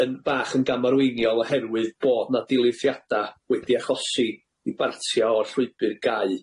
yn bach yn gamarweiniol oherwydd bod 'na dirlithirada' wedi achosi i bartia' o'r llwybyr gau.